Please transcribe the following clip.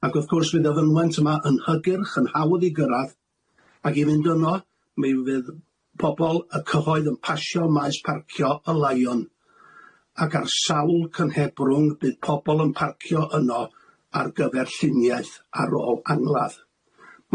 Ac wrth cwrs fydd y fynwent yma yn hygyrch yn hawdd i gyrradd ac i fynd yno mi fydd pobol y cyhoedd yn pasho maes parcio y Lion ac ar sawl cynhebrwng bydd pobol yn parcio yno ar gyfer lluniaeth ar ôl angladd.